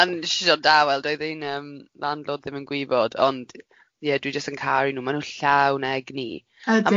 And jyst yn dawel, doedd ein yym landlord ddim yn gwybod, ond ie dwi jyst yn caru nhw, maen nhw'n llawn egni. Ydyn.